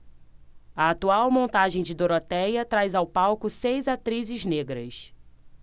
a atual montagem de dorotéia traz ao palco seis atrizes negras